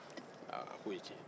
aaa a ko e ye tiɲɛn ye